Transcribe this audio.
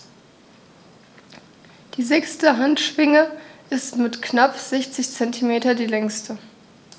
Die sechste Handschwinge ist mit knapp 60 cm die längste.